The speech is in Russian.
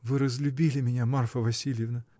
— Вы разлюбили меня, Марфа Васильевна?